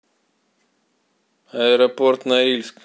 аэропорт норильск